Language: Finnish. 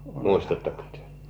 muistatteko te